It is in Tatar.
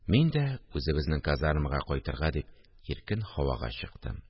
Мин дә, үзебезнең казармага кайтырга дип, иркен һавага чыктым